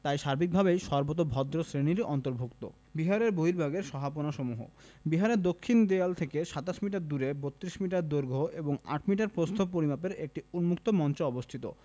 সার্বিক ভাবে সর্বোতভদ্র শ্রেণিরই অন্তর্ভুক্ত বিহারের বহির্ভাগের সহাপনাসমূহঃ বিহারের দক্ষিণ দেয়াল থেকে ২৭মিটার দূরে ৩২ মিটার দৈর্ঘ্য এবং ৮ মিটার প্রস্থ পরিমাপের একটি উন্মুক্ত মঞ্চ অবস্থিত